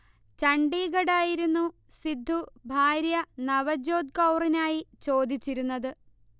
ഛണ്ഡീഗഡ് ആയിരുന്നു സിദ്ധു ഭാര്യ നവജ്യോത് കൗറിനായി ചോദിച്ചിരുന്നത്